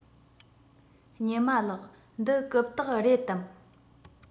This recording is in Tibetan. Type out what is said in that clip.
ཉི མ ལགས འདི རྐུབ སྟེགས རེད དམ